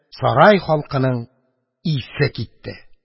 Сарай халкының исе китте.